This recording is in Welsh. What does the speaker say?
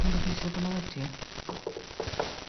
Dwi' gobeithio bo' n'w weti.